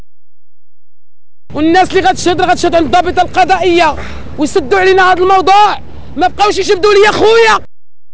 النافذه انتبه الغذائيه وسجلنا هذا الموضوع نقوش بدون يا اخوي